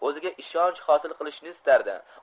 o'ziga ishonch hosil qilishni istardi